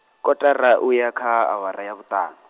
kotara uya kha, awara ya vhuṱaṋu.